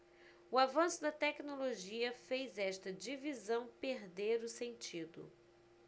o avanço da tecnologia fez esta divisão perder o sentido